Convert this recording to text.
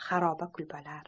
xaroba kulbalar